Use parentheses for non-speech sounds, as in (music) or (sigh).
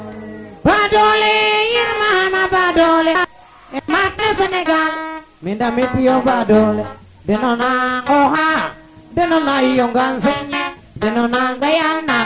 rawatina a mbisela le ando naye maaga inoorum aussi simna aussi oxe ando naye ten garu fo kene (hesitation) in daal foogaame Djiby i mbaase o leŋ i simna fop to mbaasnuwa fop xaq to mbaasana fop itam